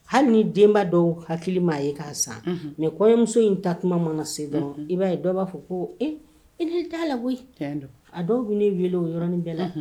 Hali ni denba dɔw hakili maa ye k ka san mɛ kɔɲɔmuso in taa tuma mana se, dɔɔni i b'a ye dɔ b' a fɔ ko ee t'a la koyi: a dɔw bɛ ne weele o yɔrɔnin bɛɛ la